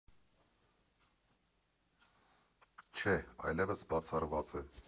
Չէ՛, այլևս բացառված է.